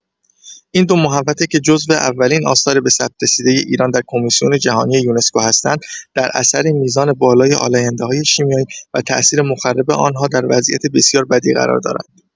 این دو محوطه که جزو اولین آثار به ثبت رسیده ایران در کمیسیون جهانی یونسکو هستند، در اثر میزان بالای آلاینده‌های شیمیایی و تاثیر مخرب آن‌ها در وضعیت بسیار بدی قرار دارند.